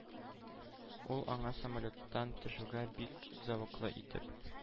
Ул аңа самолеттан төшүгә бик зәвыклы итеп